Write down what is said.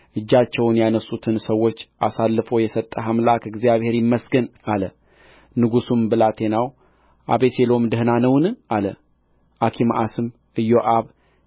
እጃቸውን ያነሱትን ሰዎች አሳልፎ የሰጠ አምላክህ እግዚአብሔር ይመስገን አለ ንጉሡም ብላቴናው አቤሴሎም ደህና ነውን አለ አኪማአስም ኢዮአብ